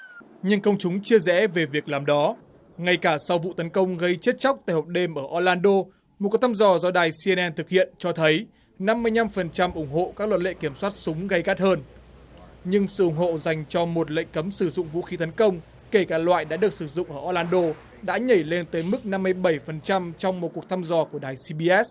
nhưng công chúng chia rẽ về việc làm đó ngay cả sau vụ tấn công gây chết chóc tại hộp đêm ở o lan đô một cuộc thăm dò do đài xi en en thực hiện cho thấy năm mươi nhăm phần trăm ủng hộ các luật lệ kiểm soát súng gay gắt hơn nhưng sự ủng hộ dành cho một lệnh cấm sử dụng vũ khí tấn công kể cả loại đã được sử dụng ở o lan đô đã nhảy lên tới mức năm mươi bảy phần trăm trong một cuộc thăm dò của đài xi bi ét